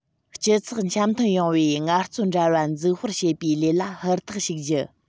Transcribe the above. སྤྱི ཚོགས འཆམ མཐུན ཡོང བའི ངལ རྩོལ འབྲེལ བ འཛུགས སྤེལ བྱེད པའི ལས ལ ཧུར ཐག ཞུགས རྒྱུ